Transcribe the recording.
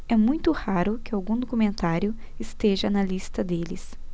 é muito raro que algum documentário esteja na lista deles